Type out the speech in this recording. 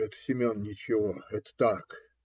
- Это, Семен, ничего. Это так.